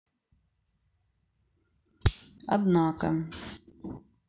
однако